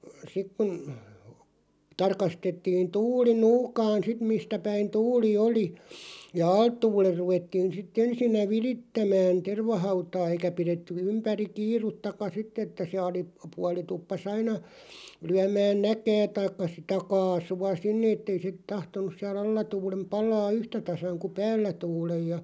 sitten kun tarkastettiin tuuli nuukaan sitten mistä päin tuuli oli ja alta tuulen ruvettiin sitten ensinnä virittämään tervahautaa eikä pidetty ympäri kiirettäkään sitten että se - alapuoli tuppasi aina lyömään näkää tai sitä kaasua sinne että ei se tahtonut siellä alla tuulen palaa yhtä tasan kuin päällä tuulen ja